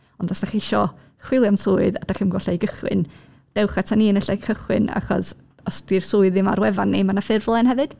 Ond os dych chi isio chwilio am swydd, a dych chi'm yn gwybod lle i gychwyn, dewch atyn ni yn y lle cychwyn achos, os 'di'r swydd ddim ar wefan ni, mae 'na ffurflen hefyd.